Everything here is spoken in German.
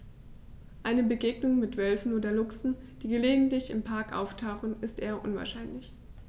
Eine Begegnung mit Wölfen oder Luchsen, die gelegentlich im Park auftauchen, ist eher unwahrscheinlich.